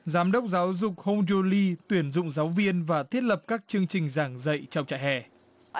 giám đốc giáo dục hôn du li tuyển dụng giáo viên và thiết lập các chương trình giảng dạy trong trại hè